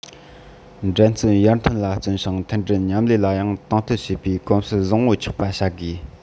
འགྲན རྩོད ཡར ཐོན ལ བརྩོན ཞིང མཐུན སྒྲིལ མཉམ ལས ལ ཡང དང དོད བྱེད པའི གོམས སྲོལ བཟང པོ ཆགས པ བྱ དགོས